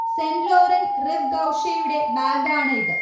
saint Laurent Rive ഗൗഷേയുടെ ബാഗാണ് ഇത്